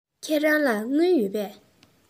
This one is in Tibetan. ཁྱེད རང ལ དངུལ ཡོད པས